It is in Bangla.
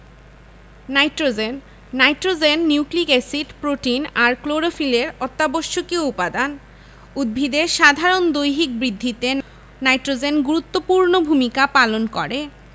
nitrogen nitrogen nucleic acid protein আর ক্লোরোফিলের অত্যাবশ্যকীয় উপাদান উদ্ভিদের সাধারণ দৈহিক বৃদ্ধিতে নাইট্রোজেন গুরুত্বপূর্ণ ভূমিকা পালন করে